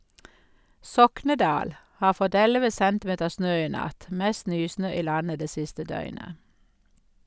Soknedal har fått elleve centimeter snø i natt, mest nysnø i landet det siste døgnet.